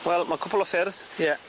Wel ma' cwpwl o ffyrdd. Ie.